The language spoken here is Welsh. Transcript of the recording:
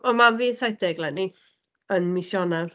Oedd mam fi yn saith deg leni. Yn mis Ionawr.